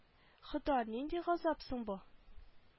Хода нинди газап соң бу